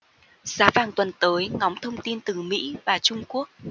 giá vàng tuần tới ngóng thông tin từ mỹ và trung quốc